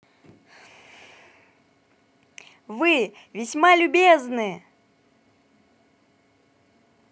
вы весьма любезны